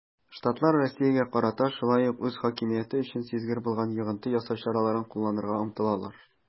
Штатлар Россиягә карата шулай ук үз хакимияте өчен сизгер булган йогынты ясау чараларын кулланырга омтылалар.